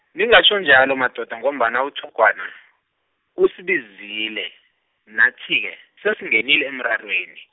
ningatjho njalo madoda ngombana uThugwana, usibizile, nathi ke, sesingenile emrarweni.